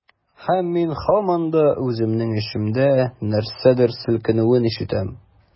Һәм мин һаман да үземнең эчемдә нәрсәдер селкенүен ишетәм.